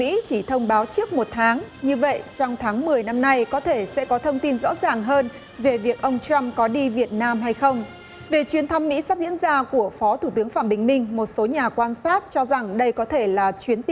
mỹ chỉ thông báo trước một tháng như vậy trong tháng mười năm nay có thể sẽ có thông tin rõ ràng hơn về việc ông trump có đi việt nam hay không về chuyến thăm mỹ sắp diễn ra của phó thủ tướng phạm bình minh một số nhà quan sát cho rằng đây có thể là chuyến